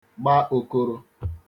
gba okoro